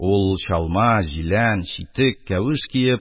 Ул чалма, җилән, читек, кәвеш киеп,